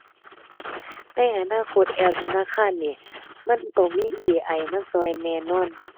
ในอนาคตแอปธนาคารนี่ มันต้องมี AI มาช่วยแน่นอน